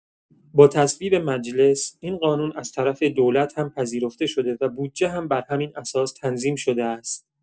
با تصویب مجلس، این قانون از طرف دولت هم پذیرفته شده و بودجه هم بر همین اساس تنظیم شده است.